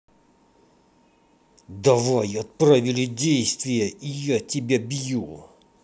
давай отправили действия и я тебя бью